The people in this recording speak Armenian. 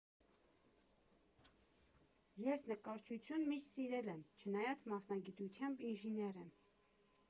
Ես նկարչություն միշտ սիրել եմ, չնայած մասնագիտությամբ ինժեներ եմ։